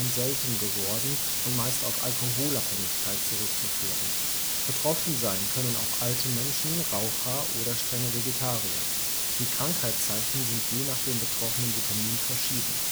selten geworden und meist auf Alkoholabhängigkeit zurückzuführen. Betroffen sein können auch alte Menschen, Raucher oder strenge Vegetarier. Die Krankheitszeichen sind je nach dem betroffenen Vitamin verschieden